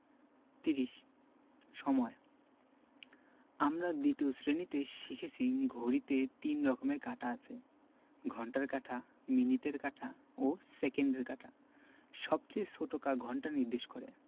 ৩০ সময়ঃ আমরা ২য় শ্রেণিতে শিখেছি ঘড়িতে ৩ রকমের কাঁটা আছে ঘণ্টার কাঁটা মিনিটের কাঁটা ও সেকেন্ডের কাঁটা সবচেয়ে ছোট ঘন্টা নির্দেশ করে